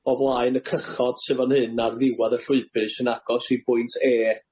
o flaen y cychod sy'n fan hyn ar ddiwadd y llwybr sy'n agos i bwynt E